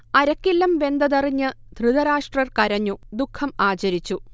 അരക്കില്ലം വെന്തതറിഞ്ഞ് ധൃതരാഷ്ട്രർ കരഞ്ഞു; ദുഃഖം ആചരിച്ചു